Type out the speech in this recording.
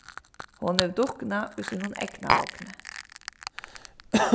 hon hevur dukkuna í sínum egna vogni